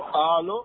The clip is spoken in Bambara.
hallo